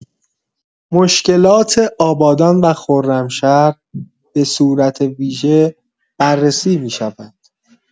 مشکلات آبادان و خرمشهر به صورت ویژه بررسی می‌شود.